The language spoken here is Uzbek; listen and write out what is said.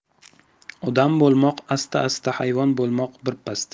odam bo'lmoq asta asta hayvon bo'lmoq bir pasda